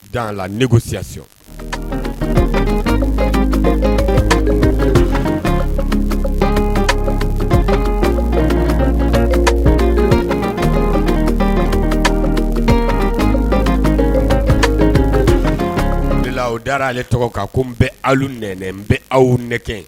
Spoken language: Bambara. Jaa ne ko sise wulila u da ale tɔgɔ kan ko n bɛ aw nɛnɛ n bɛ aw nɛ